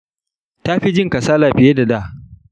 ta fi jin kasala fiye da da.